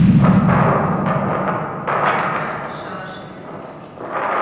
как играть в шашки